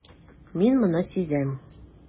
Мин моны сизәм.